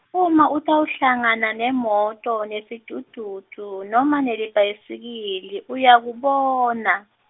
uma utawuhlangana nemoto, nesidududu, noma nelibhayisikili, uyakubona.